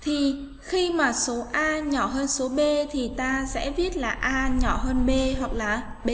thi khi mã số a nhỏ hơn số b thì ta sẽ biết là nhỏ hơn b hoặc là